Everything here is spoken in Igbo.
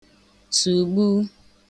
tùgbu